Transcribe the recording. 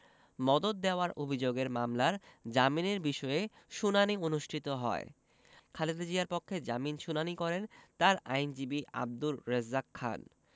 মদদ দেওয়ার অভিযোগের মামলার জামিনের বিষয়ে শুনানি অনুষ্ঠিত হয় খালেদা জিয়ার পক্ষে জামিন শুনানি করেন তার আইনজীবী আব্দুর রেজ্জাক খান